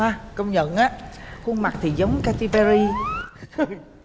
ha công nhận á khuôn mặt thì giống ka ti be ry